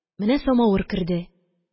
Менә самавыр керде.